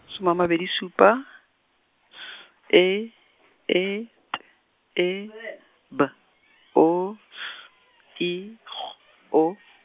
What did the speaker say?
soma a mabedi supa, S E E T E B O S I G O.